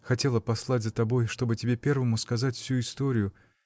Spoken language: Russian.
хотела послать за тобой, чтобы тебе первому сказать всю историю.